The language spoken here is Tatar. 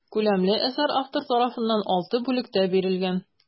Күләмле әсәр автор тарафыннан алты бүлектә бирелгән.